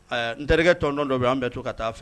N terikɛ tɔntɔn dɔ bɛ y anan bɛɛ to ka taaa fɛ